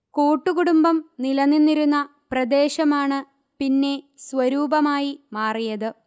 കൂട്ടു കുടുംബം നിലനിന്നിരുന്ന പ്രദേശമാണ് പിന്നെ സ്വരൂപമായി മാറിയത്